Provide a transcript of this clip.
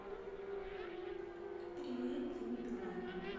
певец дима билан